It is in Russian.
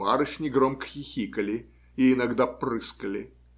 барышни громко хихикали и иногда __ прыскали.